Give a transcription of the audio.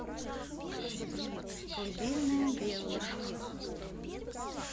колыбельная белла